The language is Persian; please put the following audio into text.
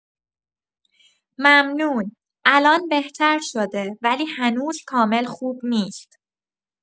ممنون، الان بهتر شده ولی هنوز کامل خوب نیست.